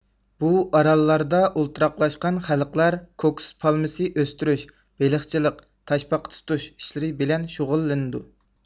بۇ ئاراللاردا ئولتۇراقلاشقان خەلقلەر كوكۇس پالمىسى ئۆستۈرۈش بېلىقچىلىق تاشپاقا تۇتۇش ئىشلىرى بىلەن شۇغۇللىنىدۇ